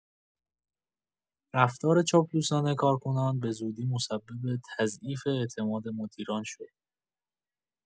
رفتار چاپلوسانه کارکنان به‌زودی مسبب تضعیف اعتماد مدیران شد.